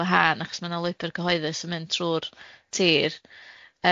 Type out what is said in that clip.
wahân achos ma' 'na lwybyr cyhoeddus yn mynd trw'r tir.